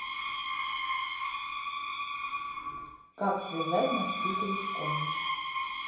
как связать носки крючком